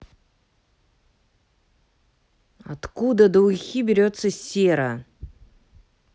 откуда до ухи берется сера